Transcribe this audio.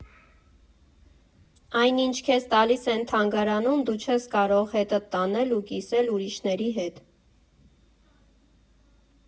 Այն, ինչ քեզ տալիս են թանգարանում, դու չես կարող հետդ տանել ու կիսել ուրիշների հետ։